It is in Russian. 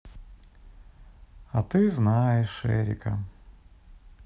а ты знаешь эрика